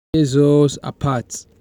It tears us apart.